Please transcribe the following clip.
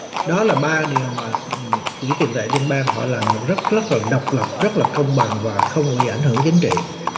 đó là ba điều mà quỹ tiền tệ liên bang họ làm rất rất là độc lập rất là công bằng và không bao giờ ảnh hưởng chính trị